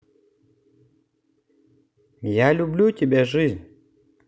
я люблю тебя жизнь